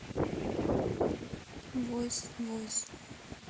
войс войс